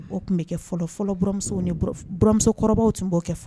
O tun bɛ kɛ fɔlɔ fɔlɔuramusokɔrɔbabaww tun b'o kɛ faga